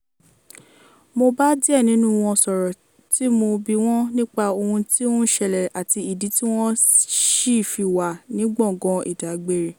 Mo bá díẹ̀ nínú wọn sọ̀rọ̀ tí mo bi wọ́n nípa ohun tí ó ń ṣẹlẹ̀ àti ìdí tí wọ́n ṣì fi wà ní gbọ̀ngán ìdágbére.